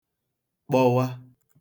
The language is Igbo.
kpọwa